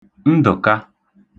Ndə̣̀ka